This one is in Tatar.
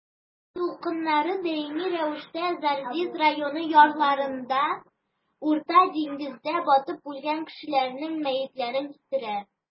Диңгез дулкыннары даими рәвештә Зарзис районы ярларына Урта диңгездә батып үлгән кешеләрнең мәетләрен китерә.